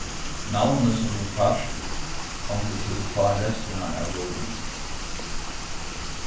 navnið sum tú fært hongur tú uppá restina av lívinum